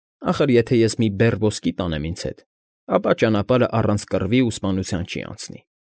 Ախր եթե ես մի բեռ ոսկի տանեմ ինձ հետ, ապա ճանապարհն առանց կռվի ու սպանության չի անցնի։